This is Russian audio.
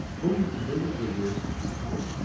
В комнате было живое существо.